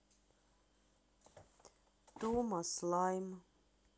тома слайм